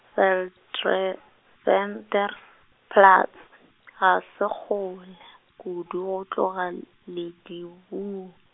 Wildeventerplaats ga se kgole, kudu go tloga L-, Ledibu-.